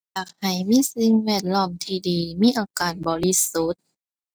อยากให้มีสิ่งแวดล้อมที่ดีมีอากาศที่บริสุทธิ์